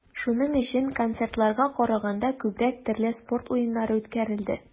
Шуның өчен, концертларга караганда, күбрәк төрле спорт уеннары үткәрелде.